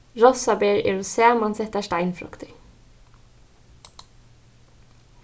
rossaber eru samansettar steinfruktir